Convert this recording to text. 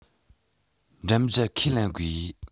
འདྲེན རྒྱུ ཁས ལེན དགོས